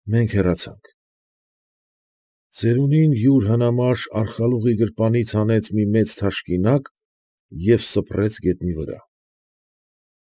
Մենք հեռացանք. ծերունին յուր հնամաշ արխալուղի գրպանից հանեց մի մեծ թաշկինակ և սփռեց գետնի վրա։